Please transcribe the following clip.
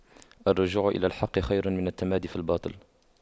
الرجوع إلى الحق خير من التمادي في الباطل